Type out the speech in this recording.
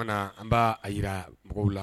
Tuma na an b'a a jira mɔgɔw la